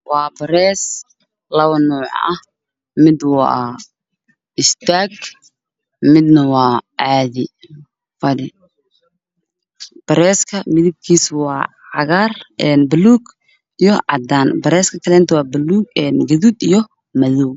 Waa bareys laba nooc ah mid waa istaag midna waa caadi fadhi iyo bareeska midabkiisu waa cagaar bluug iyo caddaan bareeska kalena waa guduud buluug iyo madow